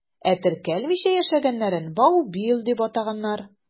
Ә теркәлмичә яшәгәннәрен «баубил» дип атаганнар.